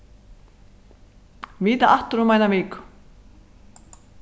vita aftur um eina viku